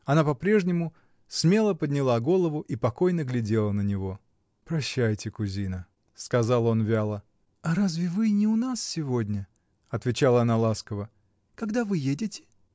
Она по-прежнему смело подняла голову и покойно глядела на него. — Прощайте, кузина! — сказал он вяло. — Разве вы не у нас сегодня? — отвечала она ласково. — Когда вы едете?